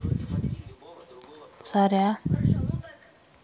царя